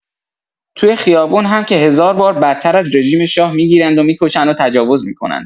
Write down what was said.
توی خیابون هم که هزار بار بدتر از رژیم شاه می‌گیرند و می‌کشند و تجاوز می‌کنند.